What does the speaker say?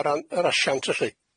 Ar ran yr asiant felly?